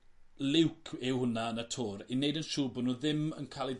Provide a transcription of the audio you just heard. Like yw hwnna yn y Tour i wneud yn siwr bo' n'w ddim yn ca'l eu